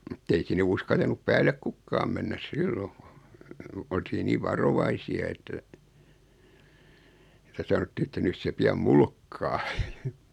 mutta ei sinne uskaltanut päälle kukaan mennä silloin oltiin niin varovaisia että että sanottiin että nyt se pian mulkkaa